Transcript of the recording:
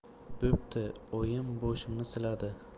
bo'pti oyim boshimni siladi